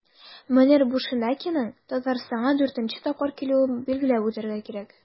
Мөнир Бушенакиның Татарстанга 4 нче тапкыр килүен билгеләп үтәргә кирәк.